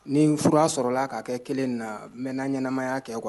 Ni fura sɔrɔla k'a kɛ kelen na n bɛ na ɲɛnamaya kɛ quoi